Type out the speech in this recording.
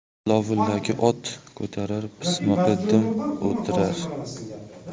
lovullaki ot ko'tarar pismiqi dim o'tirar